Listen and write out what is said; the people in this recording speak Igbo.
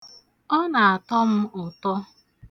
Ọ na-atọ m ụtọ.